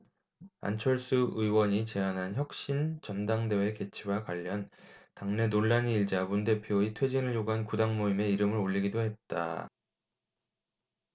안철수 의원이 제안한 혁신 전당대회 개최와 관련 당내 논란이 일자 문 대표의 퇴진을 요구한 구당모임에 이름을 올리기도 했다